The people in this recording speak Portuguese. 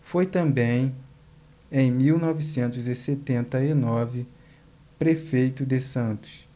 foi também em mil novecentos e setenta e nove prefeito de santos